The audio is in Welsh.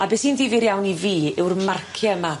A be' sy'n ddifyr iawn i fi yw'r marcie yma.